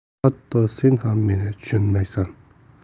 hatto sen ham meni tushunmaysan